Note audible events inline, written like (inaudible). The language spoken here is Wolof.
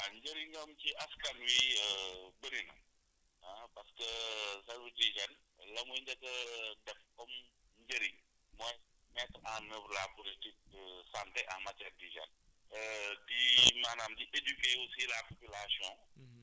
voilà njëriñam ci askan wi (hesitation) bëri na ah parce que (hesitation) service d' hygène la muy njëkk a (hesitation) def comme njëriñ mooy mettre en oeuvre la politique de santé en matière d' hygène (hesitation) di maanaam di éduquer aussi la population